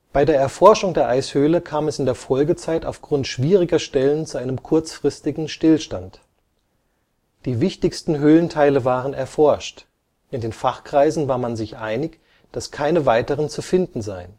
Bei der Erforschung der Eishöhle kam es in der Folgezeit aufgrund schwieriger Stellen zu einem kurzfristigen Stillstand. Die wichtigsten Höhlenteile waren erforscht; in den Fachkreisen war man sich einig, dass keine weiteren zu finden seien